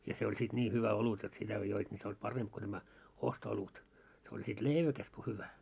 ja se oli sitten niin hyvä olut jotta sitä kun joit niin se oli parempi kuin tämä osto-olut se oli sitten leiväkäs kuin hyvä